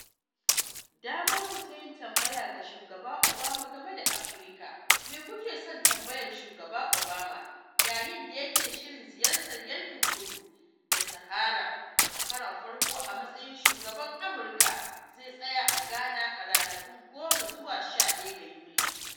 Damar ku ta yin tambaya ga Shugaba Obama game da Afirka: Me kuke son tambayar Shugaba Obama, yayin da yake shirin ziyartar yankin kudu da Sahara a karon farko a matsayin shugaban Amurka – Zai tsaya a Ghana a ranakun 10-11 ga Yuli?